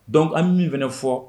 Dɔn an min fana fɔ